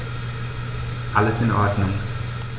Alles in Ordnung.